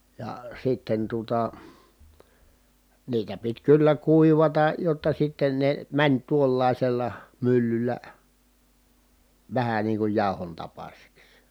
ja sitten tuota niitä piti kyllä kuivata jotta sitten ne meni tuollaisella myllyllä vähän niin kuin jauhon tapaisiksi